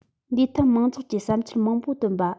འདིའི ཐད མང ཚོགས ཀྱིས བསམ འཆར མང པོ བཏོན པ